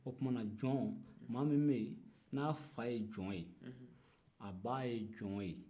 o tumana maa min bɛ yen n'a fa ye jɔn ye a ba ye jɔn ye